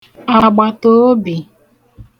àgbàtàobì